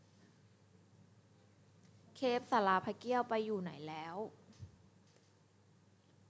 เครปศาลาพระเกี้ยวไปอยู่ไหนแล้ว